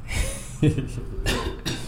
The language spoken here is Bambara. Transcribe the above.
Ee